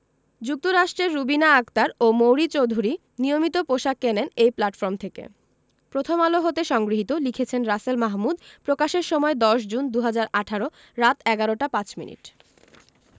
যুক্তরাষ্ট্রের রুবিনা আক্তার ও মৌরি চৌধুরী নিয়মিত পোশাক কেনেন এই প্ল্যাটফর্ম থেকে প্রথমআলো হতে সংগৃহীত লিখেছেন রাসেল মাহ্ মুদ প্রকাশের সময় ১০ জুন ২০১৮ রাত ১১টা ৫ মিনিট